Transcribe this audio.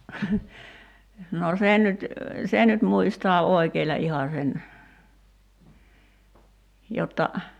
no sen nyt sen nyt muistaa oikeilla ihan sen jotta